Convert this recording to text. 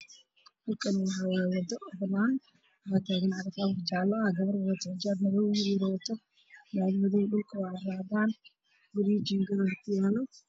Meshaan waa wado baan ah waxaa taagan gabar wadato dhar jaale ah